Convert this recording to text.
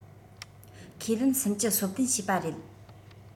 ཁས ལེན སུམ བཅུ སོ བདུན བྱས པ རེད